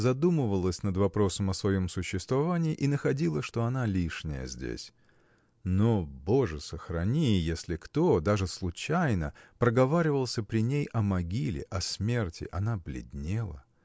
задумывалась над вопросом о своем существовании и находила что она лишняя здесь. Но боже сохрани если кто даже случайно проговаривался при ней о могиле о смерти – она бледнела.